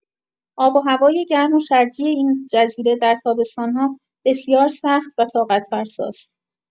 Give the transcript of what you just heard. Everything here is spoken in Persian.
آب و هوای گرم و شرجی این جزیره در تابستان‌ها بسیار سخت و طاقت‌فرساست.